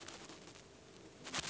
смотреть фильм легче